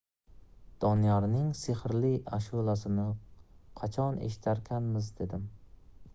doniyorning sehrli ashulasini qachon eshitarkinmiz dedim